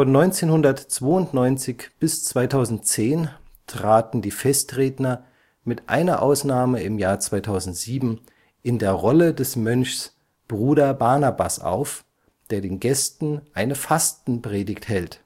1992 bis 2010 traten die Festredner (mit einer Ausnahme 2007) in der Rolle des Mönchs Bruder Barnabas auf, der den Gästen eine Fastenpredigt hält